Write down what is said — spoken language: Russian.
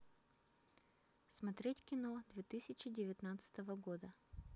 смотреть кино две тысячи девятнадцатого года